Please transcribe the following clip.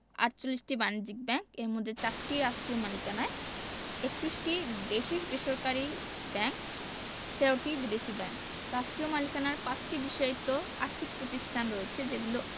৪৮টি বাণিজ্যিক ব্যাংক এর মধ্যে ৪টি রাষ্ট্রীয় মালিকানায় ৩১টি দেশী বেসরকারি ব্যাংক ১৩টি বিদেশী ব্যাংক রাষ্ট্রীয় মালিকানার ৫টি বিশেষায়িত আর্থিক প্রতিষ্ঠান রয়েছে যেগুলো